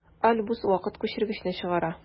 Альбус вакыт күчергечне чыгара.